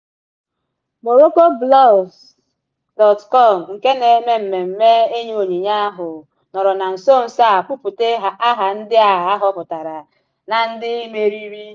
MoroccoBlogs.com, nke na-eme mmemme inye onyinye ahụ, nọrọ na nso nso a kwupụta aha ndị a họpụtara na ndị meriri